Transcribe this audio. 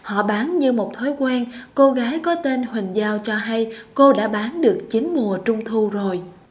họ bán như một thói quen cô gái có tên huỳnh giao cho hay cô đã bán được chín mùa trung thu rồi